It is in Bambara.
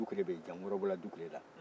dukure bɛ yen jamu wɛrɛw bɔra dukure la